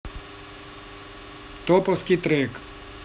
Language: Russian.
топовский трек